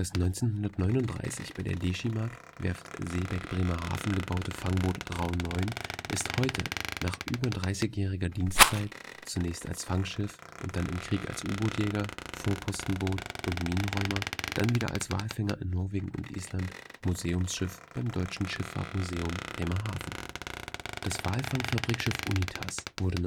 1939 bei der Deschimag, Werft Seebeck Bremerhaven, gebaute Fangboot Rau IX ist heute nach über 30-jähriger Dienstzeit – zunächst als Fangschiff und dann im Krieg als U-Boot Jäger, Vorpostenboot und Minenräumer, dann wieder als Walfänger in Norwegen und Island – Museumsschiff beim Deutschen Schiffahrtsmuseum Bremerhaven. Das Walfangfabrikschiff Unitas wurde